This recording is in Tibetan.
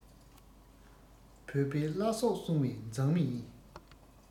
བོད པའི བླ སྲོག སྲུང བའི མཛངས མི ཡིན